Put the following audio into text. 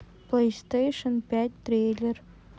плейстейшн пять трейлер